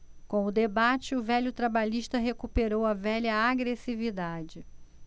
com o debate o velho trabalhista recuperou a velha agressividade